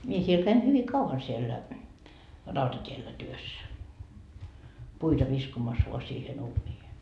minä siellä kävin hyvin kauan siellä rautatiellä työssä puita viskomassa vain siihen uuniin